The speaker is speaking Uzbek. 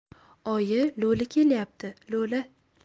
oyi lo'li kelyapti lo'li